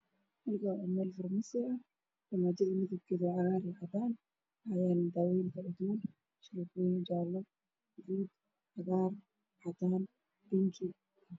Waa farmaso waxaa lagu iibinayaa daawo